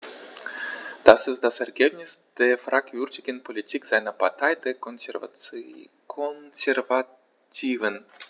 Das ist das Ergebnis der fragwürdigen Politik seiner Partei, der Konservativen.